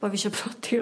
bo' fi isio prodi...